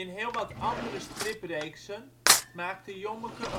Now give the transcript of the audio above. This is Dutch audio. heel wat andere stripreeksen maakte Jommeke